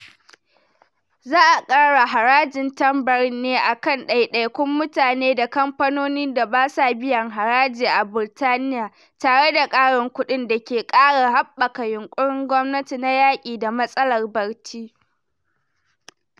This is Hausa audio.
Za a ƙara harajin tambarin ne a kan ɗaiɗaikun mutane da kamfanoni da ba sa biyan haraji a Burtaniya, tare da ƙarin kuɗin da ke ƙara haɓaka yunkurin gwamnati na yaki da matsalar barci.